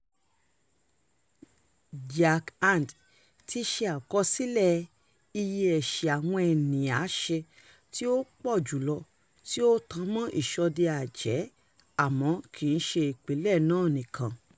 Jharkhand ti ṣe àkọsílẹ̀ iye ẹṣẹ̀ àwọn ènìyán ṣẹ̀ tí ó pọ̀ jù lọ tí ó tan mọ́ ìṣọdẹ-àjẹ́ àmọ́ kì í ṣe ìpínlẹ̀ náà nìkan.